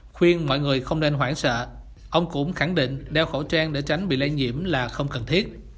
khuyên mọi người không nên hoảng sợ ông cũng khẳng định đeo khẩu trang để tránh bị lây nhiễm là không cần thiết